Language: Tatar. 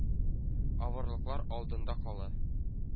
Авырлыклар алдында кала: